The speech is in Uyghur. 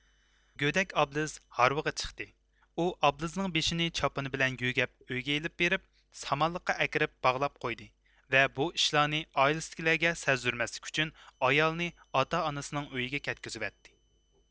گۆدەك ئابلىز ھارۋىغا چىقتى ئۇ ئابلىزنىڭ بېشىنى چاپىنى بىلەن يۆگەپ ئۆيگە ئېلىپ بېرىپ سامانلىققا ئەكىرىپ باغلاپ قويدى ۋە بۇ ئىشلارنى ئائىلىسىدىكىلەرگە سەزدۈرمەسلىك ئۈچۈن ئايالىنى ئاتا ئانىسىنىڭ ئۆيىگە كەتكۈزىۋەتتى